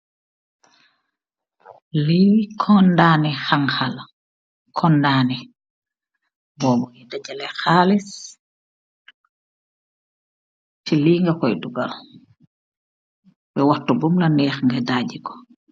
Li kondanex hanxa kondanex fofu lendey jeleex haless teex li lgaah guuh dukal beeh wahtu bulaax neex ga dagex ko .